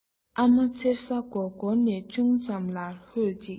ཨ མ མཚེར ས སྒོར སྒོར ནས ཅུང ཙམ ལ ཧོད ཅིག